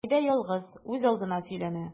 Хәмидә ялгыз, үзалдына сөйләнә.